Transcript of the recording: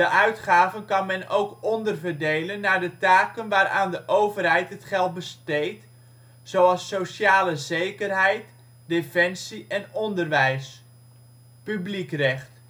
uitgaven kan men ook onderverdelen naar de taken waaraan de overheid het geld besteedt, zoals sociale zekerheid, defensie en onderwijs. Publiekrecht